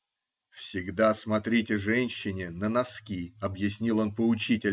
-- Всегда смотрите женщине на носки, -- объяснил он поучительно.